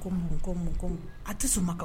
Ko mun de ko mun ko mun a dusuma